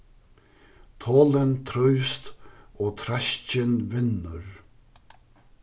tolin trívst og treiskin vinnur